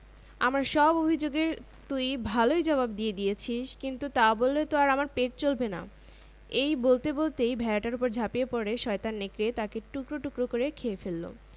নীতিশিক্ষাঃ অত্যাচারী সবসময়ই অত্যাচার করার জন্য কিছু না কিছু কারণ খুঁজে বার করে ফেলে